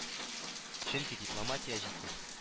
: чөнки дипломатия җитми